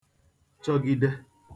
chọgide